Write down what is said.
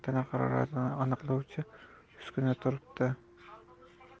tana haroratini aniqlovchi uskuna turibdi